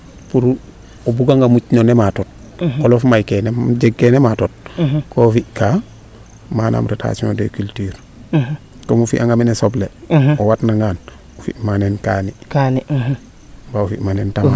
pour o buga nga muc no nematood qolof mayke no jeg kee nematood koo fi'kaa manaam rotation des culture comme o fiya nga mene soble o watna ngaan fi mene kaani mbaa o fi mene